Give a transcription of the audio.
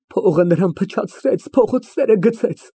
Փողը նրան փչացրեց, փողոցները գցեց։